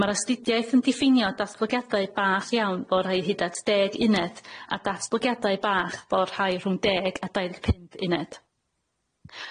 Ma'r astudiaeth yn diffinio datblygiadau bach iawn fo rhai hyd at deg uned a datblygiadau bach fo rhai rhwng deg a dauddeg pump uned.